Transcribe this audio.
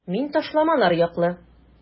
Мин ташламалар яклы.